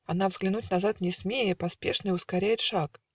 Она, взглянуть назад не смея, Поспешный ускоряет шаг